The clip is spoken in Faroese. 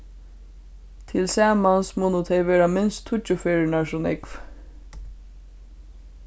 tilsamans munnu tey vera minst tíggju ferðirnar so nógv